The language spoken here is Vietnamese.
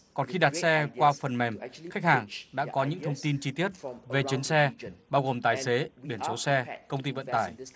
còn khi đặt xe qua phần mềm khách hàng đã có những thông tin chi tiết về chuyến xe bao gồm tài xế biển số xe công ty vận tải